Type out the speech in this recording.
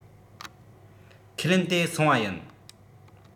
ཁས ལེན དེ སོང བ ཡིན